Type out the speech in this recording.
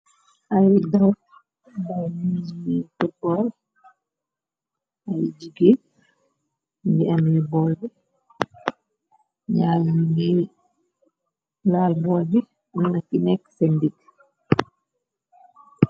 Ay rigdaw bay migbi tubbool ay jige ngi ami boll ñaaw. Yu ngi laal bool bi muna ki nekk se ndig.